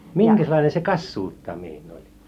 minkäslainen se kassuuttaminen oli